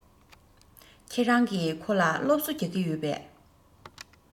ཁྱེད རང གིས ཁོ ལ སློབ གསོ རྒྱག གི ཡོད པས